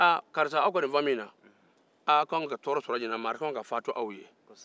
karisa maa dɔ ka kan ka fatu aw ye